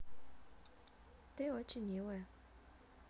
ты очень милая